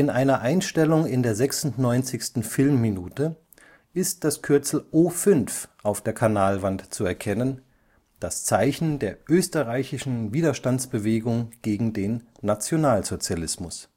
einer Einstellung in der 96. Filmminute ist das Kürzel O5 auf der Kanalwand zu erkennen, das Zeichen der österreichischen Widerstandsbewegung gegen den Nationalsozialismus